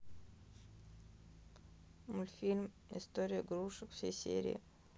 мультфильм история игрушек все серии